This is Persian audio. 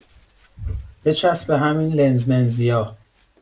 بچسب به همین لنز منزیا